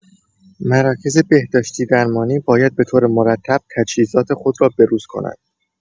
مراکز بهداشتی‌درمانی باید به‌طور مرتب تجهیزات خود را به‌روز کنند.